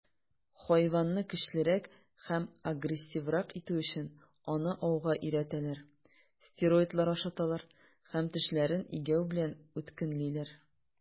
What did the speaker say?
Хайванны көчлерәк һәм агрессиврак итү өчен, аны ауга өйрәтәләр, стероидлар ашаталар һәм тешләрен игәү белән үткенлиләр.